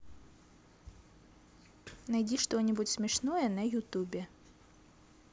найди что нибудь смешное на ютубе